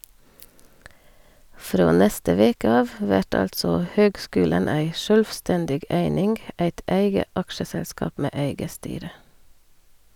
Frå neste veke av vert altså høgskulen ei sjølvstendig eining, eit eige aksjeselskap med eige styre.